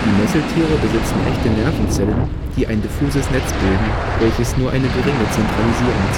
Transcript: Nesseltiere besitzen echte Nervenzellen, die ein diffuses Netz bilden, welches nur eine geringe Zentralisierung